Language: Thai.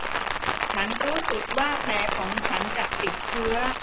ฉันรู้สึกว่าแผลของฉันจะติดเชื้อ